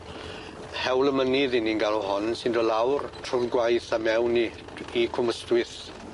Hewl y mynydd 'yn ni'n galw hon sy'n do' lawr trw'r gwaith a mewn i dr- i Cwm Ystwyth.